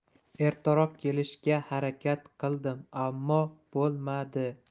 ertaroq kelishga harakat qildim ammo bo'lmadi